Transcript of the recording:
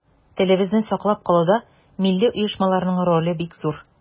Телебезне саклап калуда милли оешмаларның роле бик зур.